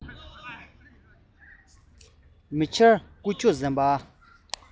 མི འཁྱར ཀུ ཅོ གཟན པ